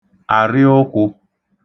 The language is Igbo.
àrịụkwụ̄